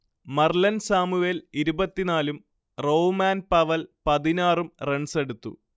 Marlon Samuels ഇരുപത്തിനാലും Rovman Powell പതിനാറും റൺസെടുത്തു